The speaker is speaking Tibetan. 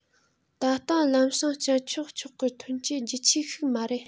ད ལྟ ལམ སང སྤྱད ཆོག ཆོག གི ཐོན སྐྱེད རྒྱུ ཆས ཤིག མ རེད